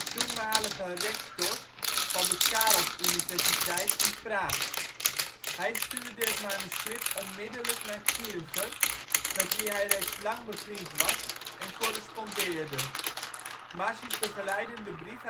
toenmalige rector van de Karelsuniversiteit in Praag. Hij stuurde het manuscript onmiddellijk naar Kircher, met wie hij reeds lang bevriend was en correspondeerde. Marci 's begeleidende brief